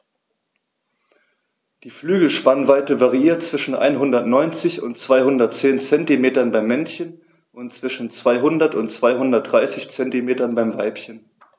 Die Flügelspannweite variiert zwischen 190 und 210 cm beim Männchen und zwischen 200 und 230 cm beim Weibchen.